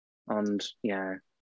Ond ie.